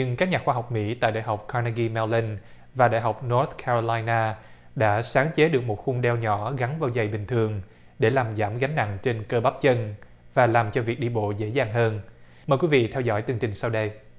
nhưng các nhà khoa học mỹ tại đại học ca nơ ghi meo lưn và đại học nót ca rô lai na đã sáng chế được một khung đeo nhỏ gắn vào giày bình thường để làm giảm gánh nặng trên cơ bắp chân và làm cho việc đi bộ dễ dàng hơn mời quý vị theo dõi chương trình sau đây